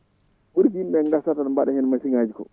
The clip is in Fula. ɓuuri ko yimɓeɓe gasata ne mbaɗa hen machine ngaji ko